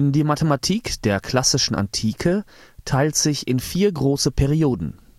Die Mathematik der klassischen Antike teilt sich in vier große Perioden